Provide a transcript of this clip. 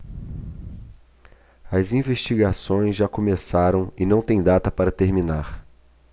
as investigações já começaram e não têm data para terminar